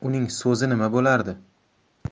uning so'zi nima bo'lardi